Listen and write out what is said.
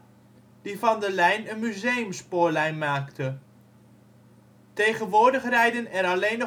van de lijn een museumspoorlijn maakte. Tegenwoordig rijden er alleen